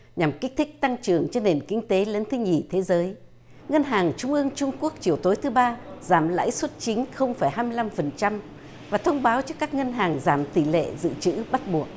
nhằm kích thích tăng trưởng cho nền kinh tế lớn thứ nhì thế giới ngân hàng trung ương trung quốc chiều tối thứ ba giảm lãi suất chính không phải hai mươi lăm phần trăm và thông báo trước các ngân hàng giảm tỷ lệ dự trữ bắt buộc